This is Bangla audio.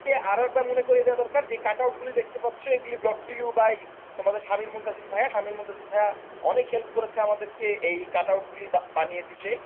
তোমাদেরকে আরেকবার মনে করিয়ে যে কাট আউট গুলো দেখতে পাচ্ছ এগুলো ব্রট টু ইউ বাই তোমাদের শামির মুনতাসিফ ভাইয়া স্বামীর মুনতাসির ভাই অনেক হেল্প করেছে আমাদের কে এই কাটাউট গুলো বানিয়ে দিতে